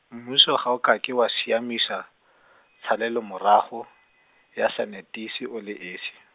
mmuso ga o ka ke wa siamisa, tshalelomorago, ya sanetasi o le esi.